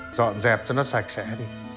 dọn dẹp cho nó sạch sẽ